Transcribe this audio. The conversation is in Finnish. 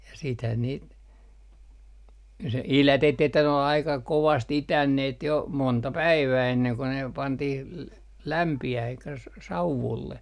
ja sittenhän niitä se idätettiin että ne oli aika kovasti itäneet jo monta päivää ennen kuin ne pantiin - lämpiämään eli -- sauvulle